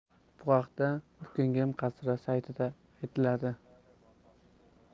bu haqda bukingem qasri saytida aytiladi